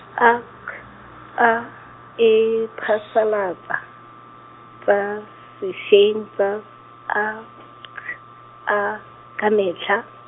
A Q A e phasalatsa, tsa seseng tsa A Q A ka metlha.